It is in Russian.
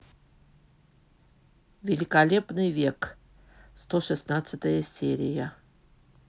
великолепный век сто шестнадцатая серия